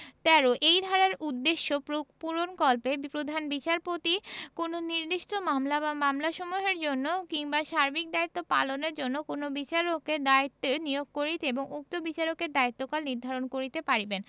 ১৩ এই ধারার উদ্দেশ্য পূরণকল্পে প্রধান বিচারপতি কোন নির্দিষ্ট মামলা বা মামলাসমূহের জন্য কিংবা সার্বিক দায়িত্ব পালনের জন্য কোন বিচারককে দায়িত্বে নিয়োগ করিতে এবং উক্ত বিচারকের দায়িত্বকাল নির্ধারণ করিতে পারিবেন